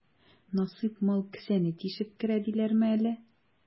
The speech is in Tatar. Насыйп мал кесәне тишеп керә диләрме әле?